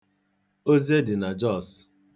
Oze dị na Jos.